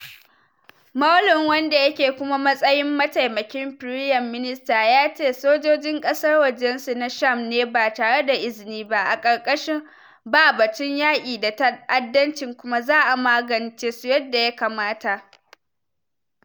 Moualem, wanda yake kuma matsayin mataimakin firayam minista, yace sojojin kasar wajen su na Sham ne ba tare da izini ba, a karkashin babatun yaki da ta’addanci, kuma “za’a magance su yadda ya kamata.”